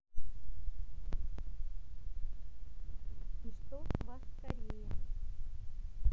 и что с вас скорее